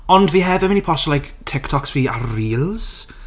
Ond fi hefyd mynd i postio like, TikToks fi ar Reels.